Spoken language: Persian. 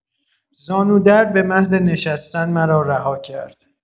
زانودرد به محض نشستن مرا رها کرد.